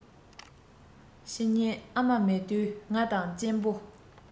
ཕྱི ཉིན ཨ མ མེད དུས ང དང གཅེན པོ